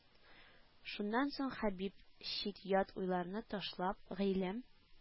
Шуннан соң Хәбиб, чит-ят уйларны ташлап, гыйлем